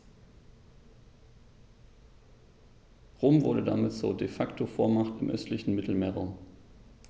Rom wurde damit zur ‚De-Facto-Vormacht‘ im östlichen Mittelmeerraum.